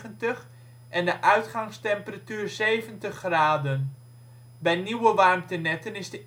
en de uitgangstemperatuur 70 graden. Bij nieuwe warmtenetten is de